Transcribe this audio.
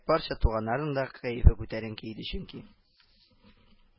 Барча туганнарның да кәефе күтәренке иде чөнки